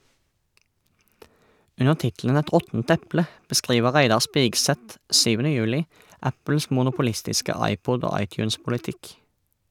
Under tittelen "Et råttent eple" beskriver Reidar Spigseth 7. juli Apples monopolistiske iPod- og iTunes-politikk.